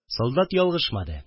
Солдат ялгышмады